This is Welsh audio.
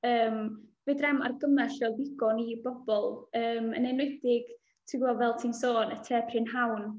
Yym, fedra i'm ar gymell o ddigon i bobl. Yym, yn enwedig, ti gwbod fel ti'n sôn, y te prynhawn.